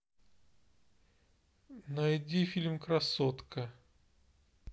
найди фильм красотка